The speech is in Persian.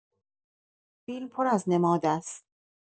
فیلم پر از نماد است.